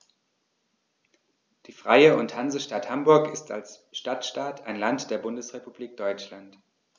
Die Freie und Hansestadt Hamburg ist als Stadtstaat ein Land der Bundesrepublik Deutschland.